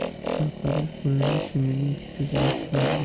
sartarosh pulni shimining kissasiga tiqardi